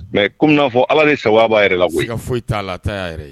Mɛ kɔmi n'a fɔ ala ni saba aw b'a yɛrɛ la e ka foyi t'a la taa y'a yɛrɛ ye